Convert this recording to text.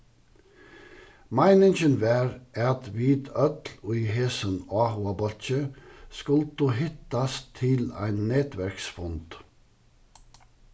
meiningin var at vit øll í hesum áhugabólki skuldu hittast til ein netverksfund